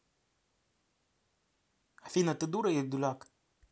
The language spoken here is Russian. афина ты дура или дурак